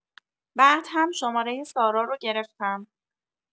بعد هم شمارۀ سارا رو گرفتم.